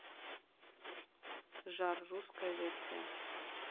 жар русская версия